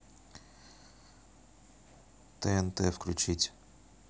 тнт включить